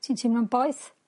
Ti'n teimlo'n boeth?